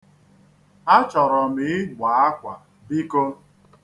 Achọrọ m igbo akwa biko.